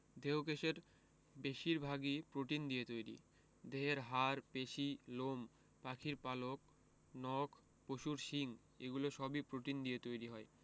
দেহকোষের বেশির ভাগই প্রোটিন দিয়ে তৈরি দেহের হাড় পেশি লোম পাখির পালক নখ পশুর শিং এগুলো সবই প্রোটিন দিয়ে তৈরি হয়